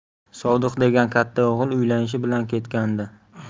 sodiq degan katta o'g'li uylanishi bilan ketgandi